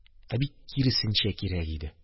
Ә бит киресенчә кирәк иде.